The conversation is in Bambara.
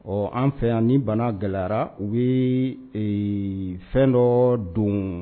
Ɔ an fɛ yan ni bana gayarara u bɛ fɛn dɔ don